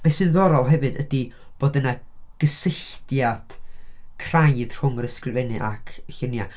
Be sy'n ddiddorol hefyd ydi bod yna gysylltiad craidd rhwng yr ysgrifennu ac lluniau.